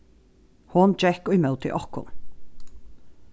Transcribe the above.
hon gekk ímóti okkum